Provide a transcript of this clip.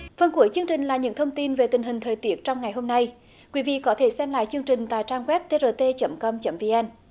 phần cuối chương trình là những thông tin về tình hình thời tiết trong ngày hôm nay quý vị có thể xem lại chương trình tại trang goép tê rờ tê chấm com chấm vi en